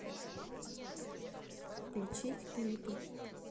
включить клипы